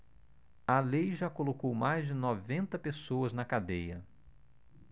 a lei já colocou mais de noventa pessoas na cadeia